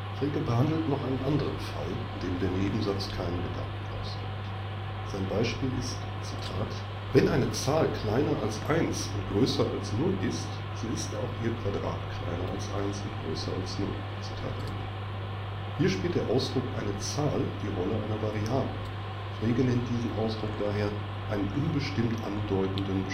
Frege behandelt noch einen anderen Fall, in dem der Nebensatz keinen Gedanken ausdrückt. Sein Beispiel ist „ wenn eine Zahl kleiner als 1 und größer als 0 ist, so ist auch ihr Quadrat kleiner als 1 und größer als 0 “(S. 43) Hier spielt der Ausdruck „ eine Zahl “die Rolle einer Variablen, Frege nennt diesen Ausdruck daher „ einen unbestimmt andeutenden